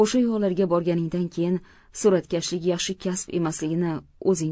o'sha yoqlarga borganingdan keyin suratkashlik yaxshi kasb emasligini o'zing